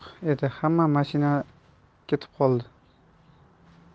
edi hamma mashina ketib qoldi